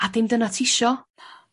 A dim dyna tisio.